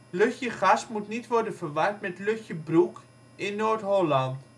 Lutjegast moet niet worden verward met Lutjebroek in Noord-Holland